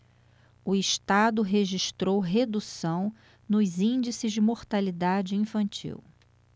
o estado registrou redução nos índices de mortalidade infantil